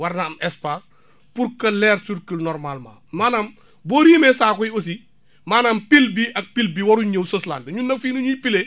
war na am espace pour que l' air circule normalement maanaam boo riimee saako yi aussi maanaam pile bii ak pile bii waruñ ñëw sëslante ñun nag fii nu ñuy piler